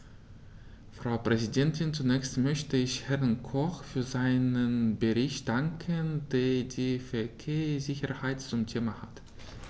Frau Präsidentin, zunächst möchte ich Herrn Koch für seinen Bericht danken, der die Verkehrssicherheit zum Thema hat.